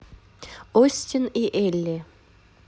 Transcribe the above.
остин и элли